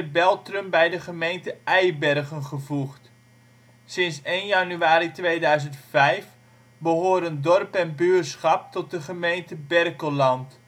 Beltrum bij de gemeente Eibergen gevoegd. Sinds 1 januari 2005 behoren dorp en buurschap tot de gemeente Berkelland